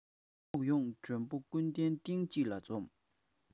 ཕྱོགས ཡོང མགྲོན པོ ཀུན གདན སྟེང གཅིག ལ འཛོམས